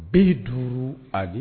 Eyi duuru a de